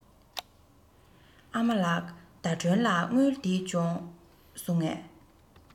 ཨ མ ལགས ཟླ སྒྲོན ལ དངུལ དེ བྱུང སོང ངས